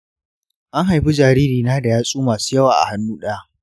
an haifi jaririna da yatsu masu yawa a hannu ɗaya.